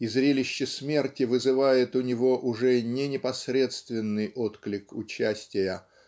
и зрелище смерти вызывает у него уже не непосредственный отклик участия